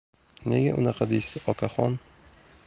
nega unaqa deysiz okaxon